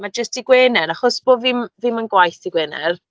Ma' jyst dydd Gwener, achos bo' fi'm ddim yn gwaith dydd Gwener...